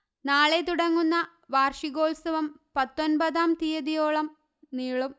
നാളെ തുടങ്ങുന്ന വാര്ഷികോത്സവം പത്തൊന്പതാം തീയതിയോളം നീളും